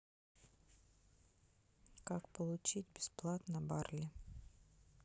как получить бесплатно барли